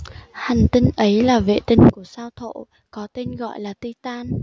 hành tinh ấy là vệ tinh của sao thổ có tên gọi là titan